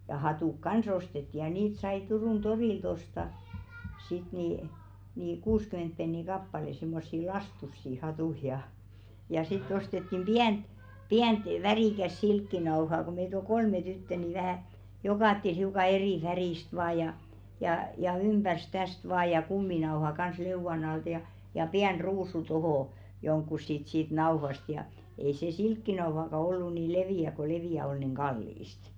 ja ja hatut kanssa ostettiin ja niitä sai Turun torilta ostaa sitten niin niin kuusikymmentä penniä kappale semmoisia lastuisia hattuja ja ja sitten ostettiin pientä pientä värikästä silkkinauhaa kun meitä oli kolme tyttöä niin vähän jokaiselle hiukan eri väristä vain ja ja ja ympäri tästä vain ja kuminauhan kanssa leuan alta ja ja pieni ruusu tuohon johonkin sitten siitä nauhasta ja ei se silkkinauhaakaan ollut niin leveä kun leveä oli niin kallista